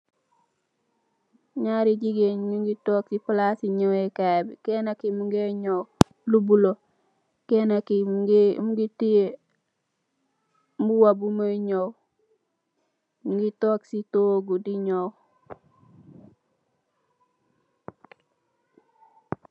Nyerri jegueen nyugui tock cii palacecii nyowekaye